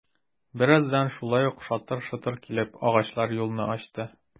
Бераздан шулай ук шатыр-шотыр килеп, агачлар юлны ачты...